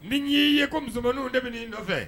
Ni y'i ye ko musoman bɛ nɔ nɔfɛ